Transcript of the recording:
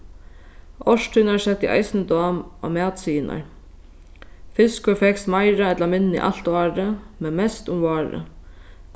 árstíðirnar settu eisini dám á matsiðirnar fiskur fekst meira ella minni alt árið men mest um várið